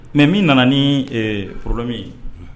Mɛ min nana ni forolo min ye